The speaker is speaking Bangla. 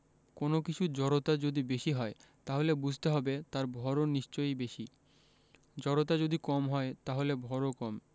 কোনো কিছুর জড়তা যদি বেশি হয় তাহলে বুঝতে হবে তার ভরও নিশ্চয়ই বেশি জড়তা যদি কম হয় তাহলে ভরও কম